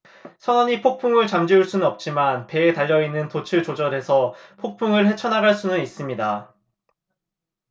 선원이 폭풍을 잠재울 수는 없지만 배에 달려 있는 돛을 조절해서 폭풍을 헤쳐 나갈 수는 있습니다